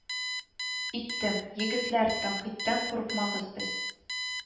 Иттем: егетләр, тәнкыйтьтән курыкмагыз, без